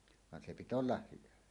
vaan se pitää olla hyvä